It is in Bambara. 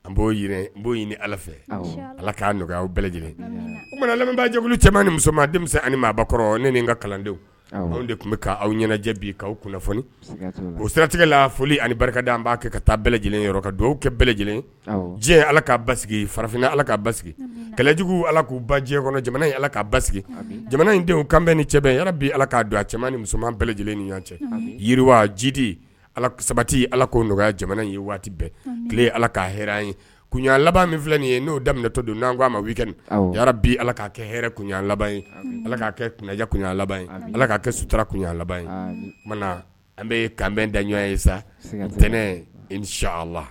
B'o b'o ɲini ala fɛ ala k'a nɔgɔya bɛɛ lajɛlen oumana lamɛnbaajɛ cɛ ni musomanma denmisɛnnin ni maa kɔrɔ ne ni ka kalandenw anw de tun bɛ'aw ɲɛnajɛɛnɛ bi aw kunnafoni o siratigɛ la foli ani barika an b'a kɛ ka taa bɛɛ lajɛlen ka kɛ bɛɛ lajɛlen diɲɛ ala k' ba farafinna ala ka basi kɛlɛjugu ala k'u ba diɲɛ kɔnɔ jamana ala ka jamana in denw kanbɛn ni cɛbɛ bɛ ala k ka don a ni musoman bɛɛ lajɛlen ni ɲɔgɔn cɛ yiriwa jidi sabati ala ko nɔgɔya jamana ye waati bɛɛ tile ye ala ka hɛ an ye kunɲa laban min filɛ nin ye n'o daminɛtɔ don n'an ko'a ma kɛ bi ala k'a kɛ hɛ kunɲayan laban ye ala k'a kɛ kunya kunyan labanye ala ka' kɛ suturara kunɲa laban an bɛ kanbɛn da ɲɔgɔn ye sa tɛnɛn sala